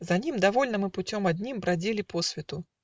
За ним Довольно мы путем одним Бродили по свету.